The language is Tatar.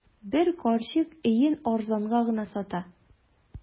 Бер карчык өен арзанга гына сата.